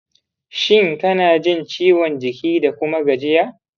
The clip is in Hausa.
shin kana jin ciwon jiki da kuma gajiya?